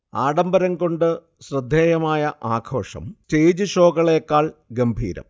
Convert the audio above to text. ആഢംബരംകൊണ്ടു ശ്രദ്ധേയമായ ആഘോഷം സ്റ്റേജ് ഷോകളേക്കാൾ ഗംഭീരം